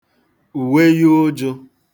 ùweyi ụjụ̄